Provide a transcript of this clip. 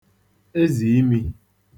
ezìimī